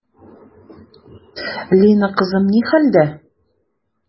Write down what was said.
Лина кызым ни хәлдә?